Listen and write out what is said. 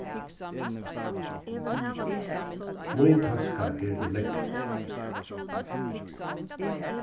mín taska er úr leðri